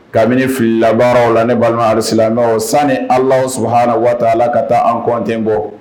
Kabini fili labaaraww la ne balima rusi lao san ni ala suhara waa la ka taa an kɔnte bɔ